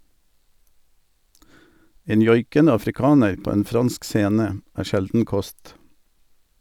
En joikende afrikaner på en fransk scene, er sjelden kost.